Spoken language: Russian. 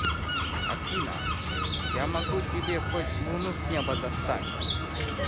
афина я могу тебе хоть луну с неба достать